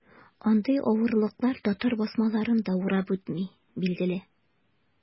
Андый авырлыклар татар басмаларын да урап үтми, билгеле.